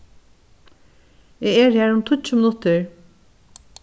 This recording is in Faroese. eg eri har um tíggju minuttir